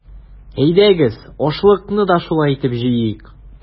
Әйдәгез, ашлыкны да шулай итеп җыйыйк!